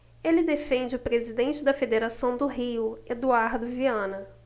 ele defende o presidente da federação do rio eduardo viana